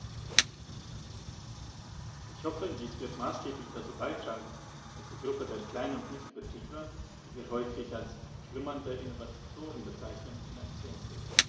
Ich hoffe, dies wird maßgeblich dazu beitragen, dass die Gruppe der Klein- und Mittelbetriebe, die wir häufig als "schlummernde Innovatoren" bezeichnen, in Aktion tritt.